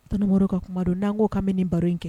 T ka kuma n'an ko ka bɛ nin baro in kɛ